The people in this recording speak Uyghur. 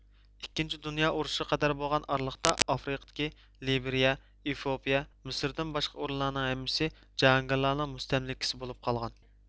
ئىككىنچى دۇنيا ئۇرۇشىغا قەدەر بولغان ئارىلىقتا ئافرىقىدىكى لېبرىيە ئېفىئوپىيە مىسىردىن باشقا ئورۇنلارنىڭ ھەممىسى جاھانگىرلارنىڭ مۇستەملىكىسى بولۇپ قالغان